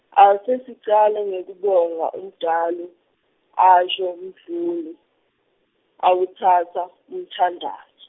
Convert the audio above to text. ase sicale ngekubonga umdali asho Mdluli awutsatsa umthandazo.